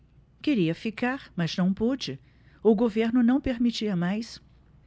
queria ficar mas não pude o governo não permitia mais